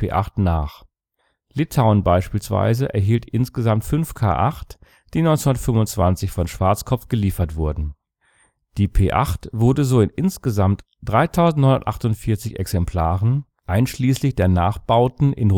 8 nach. Litauen beispielsweise erhielt insgesamt fünf K8, die 1925 von Schwartkopff geliefert wurden. Die P 8 wurde so in insgesamt 3948 Exemplaren (einschließlich der Nachbauten in